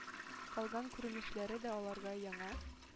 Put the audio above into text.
Калган күренешләре дә аларга яңа,